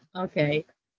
Ok.